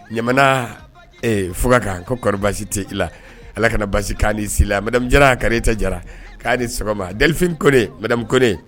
Niamana fuga kan ko kɔri basi tɛ i la Allah kana basi kɛ ani si la madame Jara Kariyata Jara k'a ni sɔgɔma Delphine Kone, madame Kone.